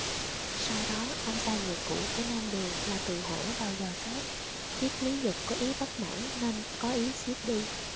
sau đó ông sai người cũ của nam đường là từ hoảng vào dò xét biết lý dục có ý bất mãn nên có ý giết đi